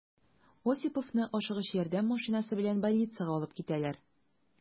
Осиповны «Ашыгыч ярдәм» машинасы белән больницага алып китәләр.